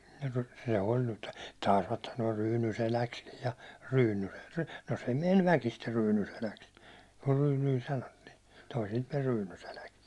se oli nyt taisivat sanoa Ryynyseläksi ja Ryynyseksi no se meni väkisin Ryynyseläksi kun Ryyny sanottiin toisilta meni Ryynyseläksi